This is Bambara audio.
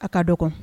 A ka dɔn